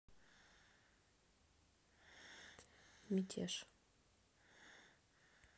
мятеж